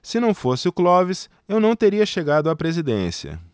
se não fosse o clóvis eu não teria chegado à presidência